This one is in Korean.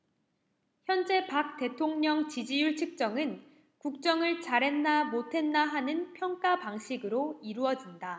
현재 박 대통령 지지율 측정은 국정을 잘했나 못했나 하는 평가 방식으로 이루어진다